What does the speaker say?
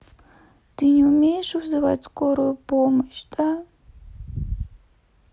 ты не умеешь вызывать скорую помощь да